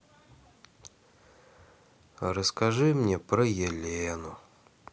расскажи мне про елену